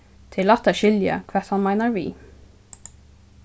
tað er lætt at skilja hvat hann meinar við